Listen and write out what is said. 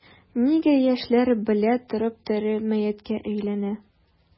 Нигә яшьләр белә торып тере мәеткә әйләнә?